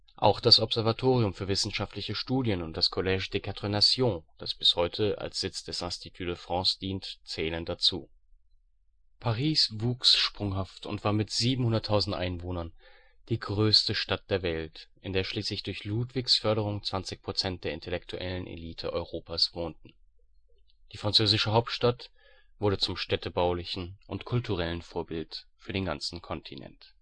Auch das Observatorium für wissenschaftliche Studien und das Collège-des-Quatre-Nations, das bis heute als Sitz des Institut de France dient, zählen dazu. Paris wuchs sprunghaft und war mit 700.000 Einwohnern die größte Stadt der Welt, in der schließlich durch Ludwigs Förderung 20 Prozent der intellektuellen Elite Europas wohnten. Die französische Hauptstadt wurde zum städtebaulichen und kulturellen Vorbild für den ganzen Kontinent